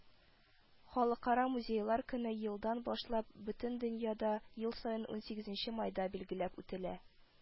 “халыкара музейлар көне елдан башлап бөтен дөньяда ел саен 18 майда билгеләп үтелә